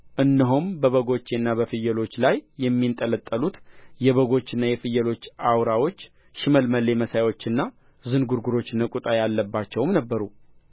እነሆም በበጎችና በፍየሎች ላይ የሚንጠላጠሉት የበጎችና የፍየሎች አውራዎች ሽመልመሌ መሳዮችና ዝንጕርጕሮች ነቁጣ ያለባቸውም ነበሩ